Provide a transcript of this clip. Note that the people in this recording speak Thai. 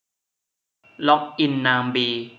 ล็อกอินนามบี